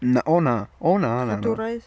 N- O na! O na, na, na!...Cadwraeth?